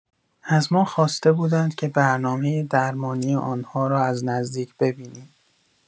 از ما خواسته بودند که برنامه درمانی آن‌ها را از نزدیک ببینیم.